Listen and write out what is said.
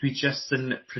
dwi jyst yn